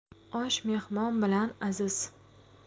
osh mehmon bilan aziz